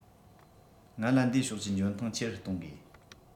ང ལ འདིའི ཕྱོགས ཀྱི འཇོན ཐང ཆེ རུ གཏོང དགོས